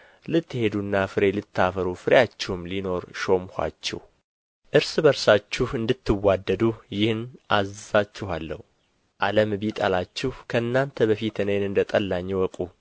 ልትሄዱና ፍሬ ልታፈሩ ፍሬአችሁም ሊኖር ሾምኋችሁ እርስ በርሳችሁ እንድትዋደዱ ይህን አዛችኋለሁ ዓለም ቢጠላችሁ ከእናንተ በፊት እኔን እንደ ጠላኝ እወቁ